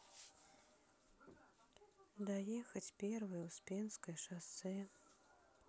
доехать первое успенское шоссе